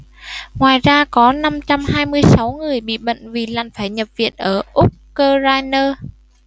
ngoài ra có năm trăm hai mươi sáu người bị bệnh vì lạnh phải nhập viện ở ukraine